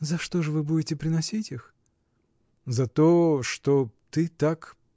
— За что вы будете приносить их? — За то, что — ты так.